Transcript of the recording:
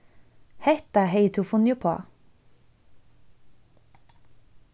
hetta hevði tú funnið uppá